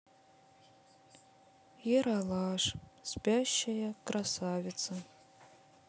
ералаш спящая красавица